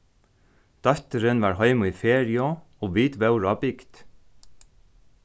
dóttirin var heima í feriu og vit vóru á bygd